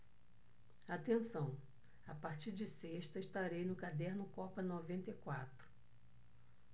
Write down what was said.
atenção a partir de sexta estarei no caderno copa noventa e quatro